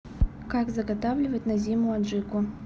как заготавливать на зиму аджику